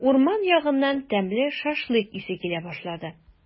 Урман ягыннан тәмле шашлык исе килә башлады.